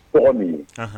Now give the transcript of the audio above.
Mɔgɔ min ye, anhan